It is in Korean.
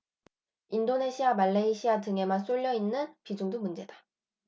인도네시아 말레이시아 등에만 쏠려 있는 비중도 문제다